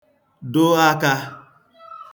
dụ akā